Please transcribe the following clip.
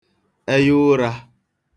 ẹyaụrā